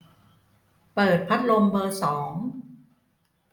เปิดพัดลมเบอร์สอง